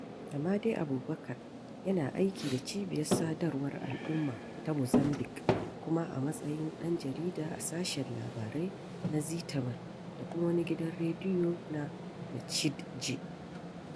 Amade Aoubacar yana aiki da Cibiyar Sadarwar Al'umma ta Mozambiƙue kuma a matsayin ɗan jarida a sashen labarai na Zitamar da kuma wani gidan rediyo na Nacedje.